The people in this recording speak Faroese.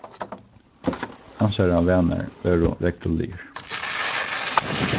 hansara vanar vóru regluligir